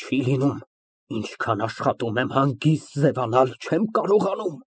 Չի լինում, ինչքան աշխատում եմ հանգիստ ձևանալ, չեմ կարողանում։